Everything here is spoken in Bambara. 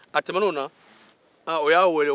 a tɛmɛnen o la aa o y'a weele